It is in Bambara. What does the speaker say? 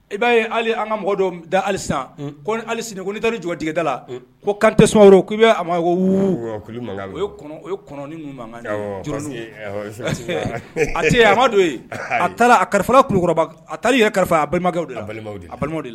I b'a ye hali an ka mɔgɔ dɔ da alisa ko ali sini ko taa jɔtigida la ko kantɛ sumaworo k'i bɛ a ma mankan a tɛ a amadu ye a taara kari taarali yɛrɛ kalifa a balimakɛ de la